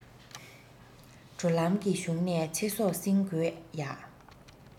འགྲོ ལམ གྱི གཞུང ནས ཚེ སྲོག བསྲིང དགོས ཡ